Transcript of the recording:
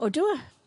Odw yy.